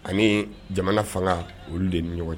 Ani jamana fanga olu de ni ɲɔgɔn cɛ